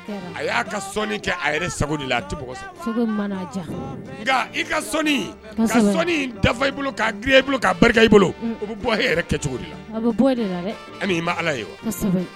A'a bolo kɛ cogo ma ala wa